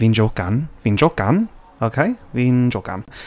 Fi'n jocan, fi'n jocan, ok, fi'n jocan.